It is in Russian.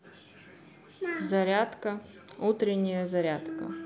зарядка утренняя зарядка